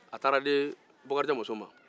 a taara di bokarijan muso ma